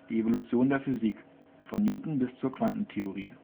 Evolution der Physik. Von Newton bis zur Quantentheorie